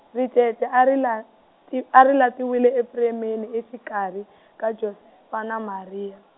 ricece a ri la, ti, a ri latiwile epremeni exikarhi, ka Josefa na Maria.